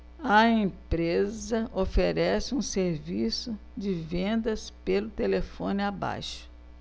a empresa oferece um serviço de vendas pelo telefone abaixo